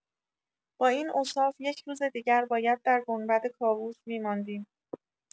با این اوصاف یک روز دیگر باید در گنبدکاووس می‌ماندیم.